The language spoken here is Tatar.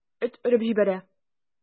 Эт өреп җибәрә.